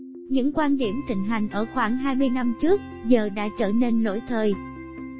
những quan điểm thịnh hành ở khoảng năm trước giờ đã trở nên 'lỗi thời'